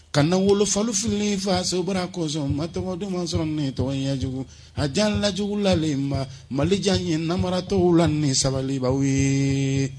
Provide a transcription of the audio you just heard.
Ka wolofalofiini fasobara kɔsɔn mat duman sɔrɔ nin tɔgɔyajugu a jan laj lalen mali jan ye namaratɔ la ni sabalibaw ye